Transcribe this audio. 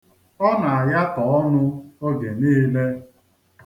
Ọ na-ayatọ ọnụ oge niile.